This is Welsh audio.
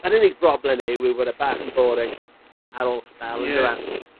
yr unig broblem yw yw bod e bach yn boring. Ar ôl sbel... Ie. ...on'd yw e?